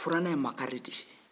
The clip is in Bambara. furalan ye makari de ye